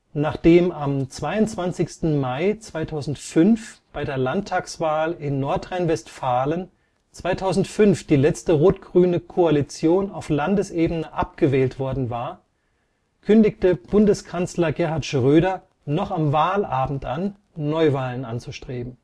Nachdem am 22. Mai 2005 bei der Landtagswahl in Nordrhein-Westfalen 2005 die letzte rot-grüne Koalition auf Landesebene abgewählt worden war, kündigte Bundeskanzler Gerhard Schröder noch am Wahlabend an, Neuwahlen anzustreben